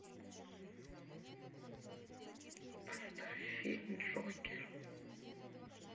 поставь фильм джокер